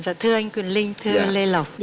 dạ thưa anh quyền linh thưa lê lộc